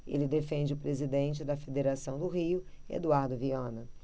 ele defende o presidente da federação do rio eduardo viana